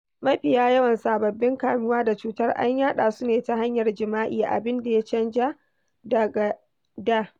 Mafiya yawan sababbin kamuwa da cutar an yaɗa su ne ta hanyar jima'i, abin da ya canja daga da.